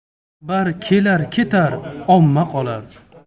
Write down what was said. rahbar kelar ketar omma qolar